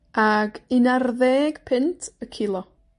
Ag un ar ddeg punt y cilo.